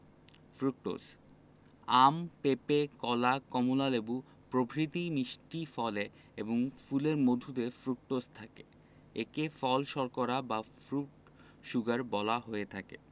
fructose আম পেপে কলা কমলালেবু প্রভৃতি মিষ্টি ফলে এবং ফুলের মধুতে ফ্রুকটোজ থাকে একে ফল শর্করা বা ফ্রুট শুগার বলা হয়ে থাকে